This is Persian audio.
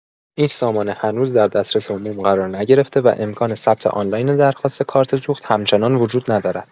این سامانه هنوز در دسترس عموم قرار نگرفته و امکان ثبت آنلاین درخواست کارت سوخت همچنان وجود ندارد.